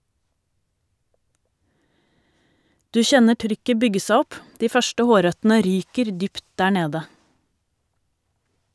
Du kjenner trykket bygge seg opp , de første hårrøttene ryker dypt der nede.